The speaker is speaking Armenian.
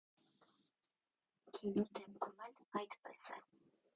Գինու դեպքում էլ այդպես է։